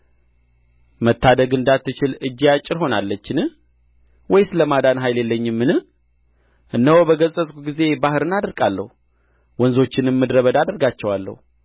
መታደግ እንዳትችል እጄ አጭር ሆናለችን ወይስ ለማዳን ኃይል የለኝምን እነሆ በገሠጽሁ ጊዜ ባሕርን አደርቃለሁ ወንዞችንም ምድረ በዳ አደርጋቸዋለሁ